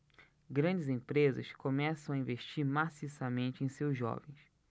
grandes empresas começam a investir maciçamente em seus jovens